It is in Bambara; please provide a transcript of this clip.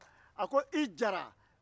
a ko i jara